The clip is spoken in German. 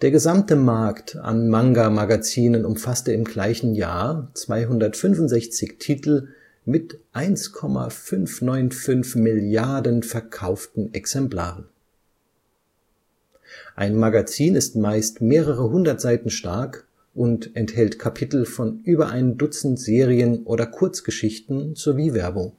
gesamte Markt an Manga-Magazinen umfasste im gleichen Jahr 265 Titel mit 1,595 Milliarden verkauften Exemplaren. Ein Magazin ist meist mehrere hundert Seiten stark und enthält Kapitel von über ein dutzend Serien oder Kurzgeschichten sowie Werbung